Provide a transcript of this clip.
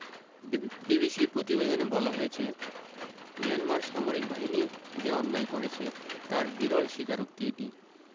বিবি বিবিসির প্রতিবেদনে বলা হয়েছে মিয়ানমার সামরিক বাহিনী যে অন্যায় করেছে তার বিরল স্বীকারোক্তি এটি